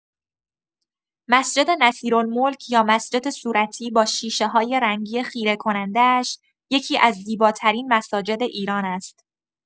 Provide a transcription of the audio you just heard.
مسجد نصیرالملک یا مسجد صورتی با شیشه‌های رنگی خیره‌کننده‌اش، یکی‌از زیباترین مساجد ایران است.